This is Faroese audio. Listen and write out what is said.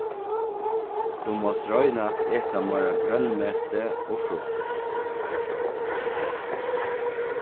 tú mást royna at eta meira grønmeti og frukt